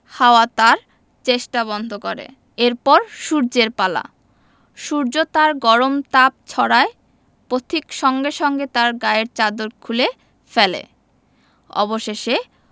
হাওয়া তার চেষ্টা বন্ধ করে এর পর সূর্যের পালা সূর্য তার গরম তাপ ছড়ায় পথিক সঙ্গে সঙ্গে তার গায়ের চাদর খুলে ফেলে অবশেষে